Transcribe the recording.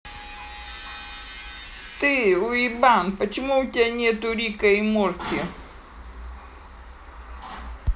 ты уебан почему у тебя нету рика и морти